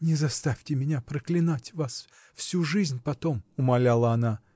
— Не заставьте меня проклинать вас всю жизнь потом! — умоляла она.